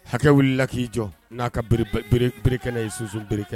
Hakɛ wulila la k'i jɔ n'a kaerekɛnɛ ye sonsinberekɛnɛ